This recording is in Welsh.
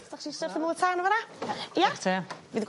iste wrth y fwr' tân yn fan 'na? Ia. Fydd...